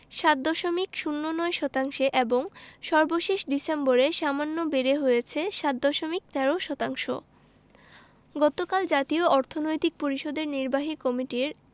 ৭ দশমিক ০৯ শতাংশে এবং সর্বশেষ ডিসেম্বরে সামান্য বেড়ে হয়েছে ৭ দশমিক ১৩ শতাংশ গতকাল জাতীয় অর্থনৈতিক পরিষদের নির্বাহী কমিটির